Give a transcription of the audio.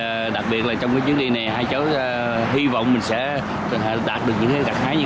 đặc biệt là trong cái chuyến đi này hai cháu hi vọng mình sẽ đạt được những cái gặt hái